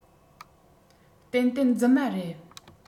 ཏན ཏན རྫུན མ རེད